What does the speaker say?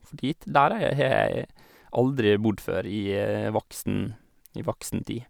For dit der er jeg har jeg aldri bodd før i voksen i voksen tid.